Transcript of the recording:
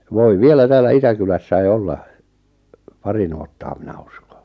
voi vielä täällä Itäkylässä olla pari nuottaa minä uskon